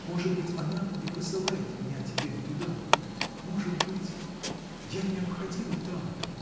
Может быть, она и посылает меня теперь туда. может быть. я необходима там!